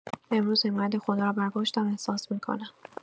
امروز حمایت خدا را بر پشتم احساس می‌کنم.